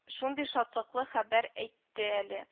Шундый шатлыклы хәбәр әйтте әле